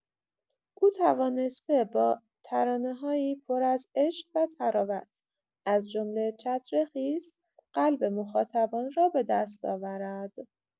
او توانسته با ترانه‌هایی پر از عشق و طراوت، از جمله چتر خیس، قلب مخاطبان را به دست آورد.